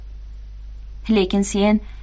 lekin sen